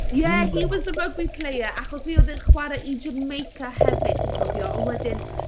Ie... ww ...he was the rugby player achos fe oedd yn chwarae i Jamaica hefyd ti'n cofio ond wedyn...